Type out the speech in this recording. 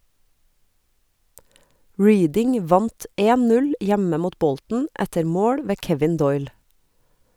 Reading vant 1-0 hjemme mot Bolton etter mål ved Kevin Doyle.